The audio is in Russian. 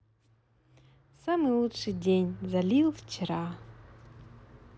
самый лучший день залил вчера